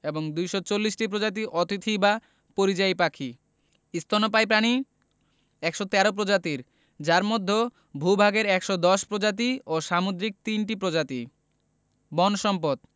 এবং ২৪০ টি প্রজাতি অতিথি বা পরিযায়ী পাখি স্তন্যপায়ী প্রাণী ১১৩ প্রজাতির যার মধ্যে ভূ ভাগের ১১০ প্রজাতি ও সামুদ্রিক ৩ টি প্রজাতি বন সম্পদঃ